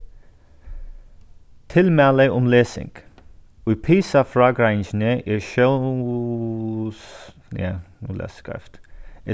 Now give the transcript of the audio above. tilmæli um lesing í pisa-frágreiðingini er ja nú las eg skeivt